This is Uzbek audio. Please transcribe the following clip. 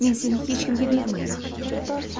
men seni hech kimga bermayman